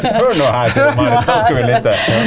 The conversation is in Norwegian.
hør nå her sier hun Marit nå skal vi lytte.